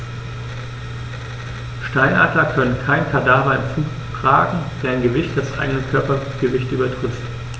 Steinadler können keine Kadaver im Flug tragen, deren Gewicht das eigene Körpergewicht übertrifft.